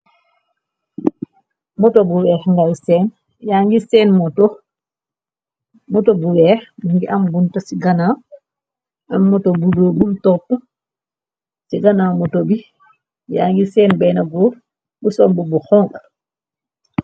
Moto bu weex ngay sehn, yaangi sehn moto, moto bu weex, mungi am bunta ci ganaw, am moto bu njull bum topp, ci ganaw moto bi yaangi sehn bena gorre bu sol mbubu bu honhu.